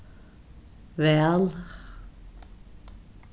væl